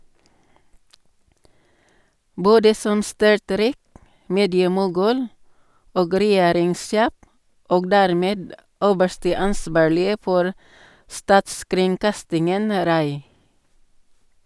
Både som styrtrik mediemogul og regjeringssjef, og dermed øverste ansvarlige for statskringkastingen RAI.